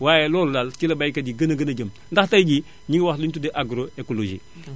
waaye loolu daal ci la baykat yi di gën a gën a jëm ndax tay jii ñu ngi wax li ñuy tuddee agroecologie